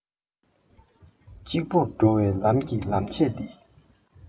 གཅིག པུར འགྲོ བའི ལམ གྱི ལམ ཆས འདི